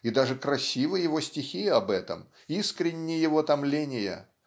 и даже красивы его стихи об этом искренни его томления